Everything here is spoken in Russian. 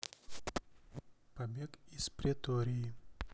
побег из претории